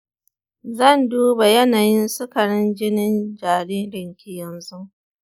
zan duba yanayin sikarin jinin jaririnki yanzu